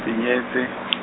ke nyetse .